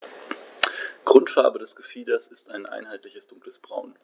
Grundfarbe des Gefieders ist ein einheitliches dunkles Braun.